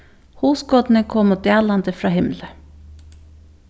hugskotini komu dalandi frá himli